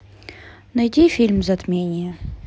найди фильм затмение